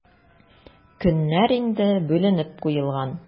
Көннәр инде бүленеп куелган.